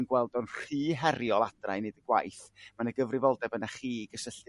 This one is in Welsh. yn gweld o'n rhy heriol adra i neud y gwaith ma' 'na gyfrifoldeb arna chi i gysylltu